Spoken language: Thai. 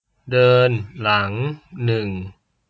เดินหลังหนึ่ง